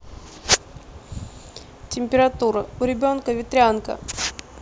температура у ребенка ветрянка